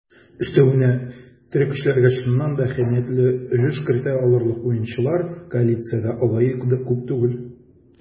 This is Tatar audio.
Өстәвенә, тере көчләргә чыннан да әһәмиятле өлеш кертә алырлык уенчылар коалициядә алай күп түгел.